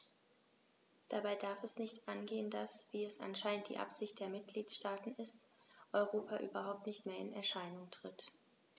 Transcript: Dabei darf es nicht angehen, dass - wie es anscheinend die Absicht der Mitgliedsstaaten ist - Europa überhaupt nicht mehr in Erscheinung tritt.